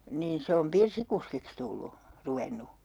niin se on pirssikuskiksi tullut ruvennut